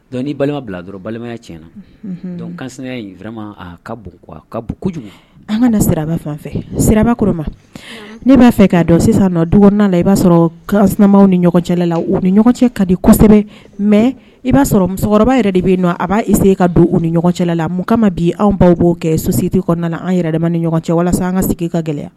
Dɔn balima bila dɔrɔn balimaya tiɲɛnayama ka bon kojugu an ka siraba fan fɛ sirabakoro ma ne b'a fɛ ka dɔn sisan nɔ dɔgɔn la i b'a sɔrɔ ni ɲɔgɔn cɛ la u ni ɲɔgɔn cɛ ka di kosɛbɛ mɛ i b'a sɔrɔ musokɔrɔbakɔrɔba yɛrɛ de bɛ nɔ a b'a se ka don u ni ɲɔgɔncɛ la mɔgɔ kama ma bi anw baw' kɛ so siti kɔnɔna an yɛrɛ ni ɲɔgɔn cɛ walasa an ka segin i ka gɛlɛya